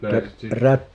rättiläiset sitten